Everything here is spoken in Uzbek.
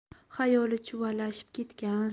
xayoli chuvalashib ketgan